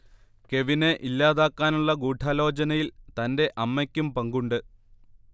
കെവിനെ ഇല്ലാതാക്കാനുള്ള ഗൂഢാലോചനയിൽ തന്റെ അമ്മയ്ക്കും പങ്കുണ്ട്